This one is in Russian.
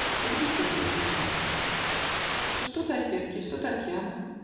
) Теперь беседуют друзья: "Ну, что соседки? Что Татьяна?